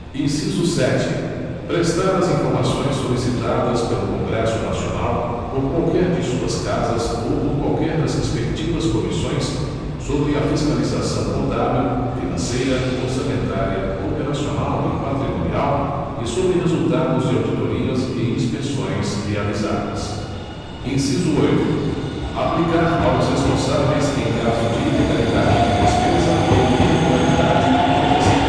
inciso sete prestar as informações solicitadas pelo congresso nacional por qualquer de suas casas ou por qualquer das respectivas comissões sobre a fiscalização contábil financeira orçamentária operacional e patrimonial e sobre resultados de auditorias e inspeções realizadas inciso oito aplicar aos responsáveis em caso de ilegalidade de despesa ou irregularidade de contas